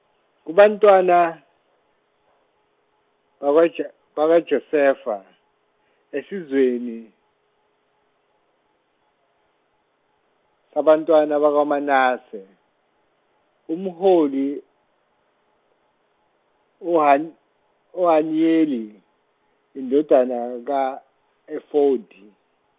kubantwana, bakwa Jos- bakwa Josefa esizweni, sabantwana bakwa Manase umholi uHan- uHaniyeli indodana kaEfodi.